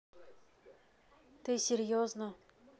ты серьезно